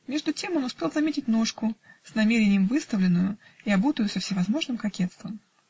Между тем он успел заметить ножку, с намерением выставленную и обутую со всевозможным кокетством.